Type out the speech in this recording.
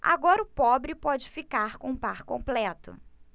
agora o pobre pode ficar com o par completo